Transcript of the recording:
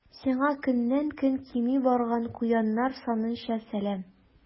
Сиңа көннән-көн кими барган куяннар санынча сәлам.